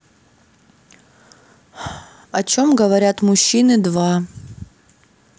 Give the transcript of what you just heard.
о чем говорят мужчины два